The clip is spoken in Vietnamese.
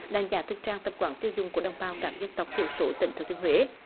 đánh giá thực trạng tập quán tiêu dùng của đồng bào các dân tộc thiểu số tỉnh thừa thiên huế